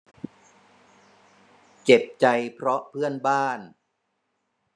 เจ็บใจเพราะเพื่อนบ้าน